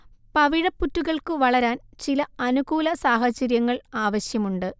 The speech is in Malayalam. പവിഴപ്പുറ്റുകൾക്കു വളരാൻ ചില അനുകൂല സാഹചര്യങ്ങൾ ആവശ്യമുണ്ട്